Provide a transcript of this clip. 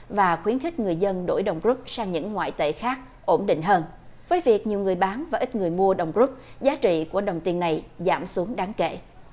và khuyến khích người dân đổi đồng rúp sang những ngoại tệ khác ổn định hơn với việc nhiều người bán và ít người mua đồng rúp giá trị của đồng tiền này giảm xuống đáng kể